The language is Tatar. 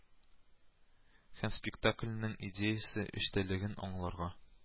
Һәм спектакльнең идеясен, эчтәлеген аңларга